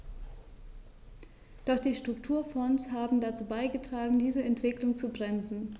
Doch die Strukturfonds haben dazu beigetragen, diese Entwicklung zu bremsen.